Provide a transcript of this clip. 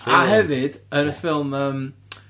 A hefyd yn y ffilm yym ...